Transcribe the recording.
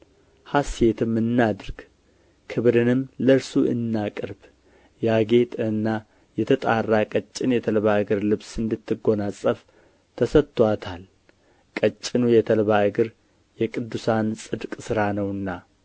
ሐሤትም እናድርግ ክብርንም ለእርሱ እናቅርብ ያጌጠና የተጣራ ቀጭን የተልባ እግር ልብስ እንድትጐናጸፍ ተሰጥቶአታል ቀጭኑ የተልባ እግር የቅዱሳን ጽድቅ ሥራ ነውና